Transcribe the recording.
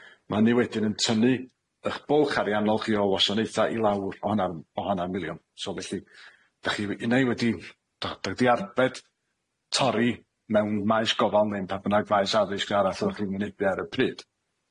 Ma' hynny wedyn yn tynnu 'ych bwlch ariannol chi o wasanaetha i lawr o hannar o hannar miliwn so felly dach chi di arbed torri mewn maes gofal ddim pan bynnag maes addysg arall odda chi'n mynebu ar y pryd.